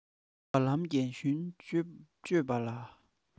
བ ལང རྒན གཞོན དཔྱོད པ ལ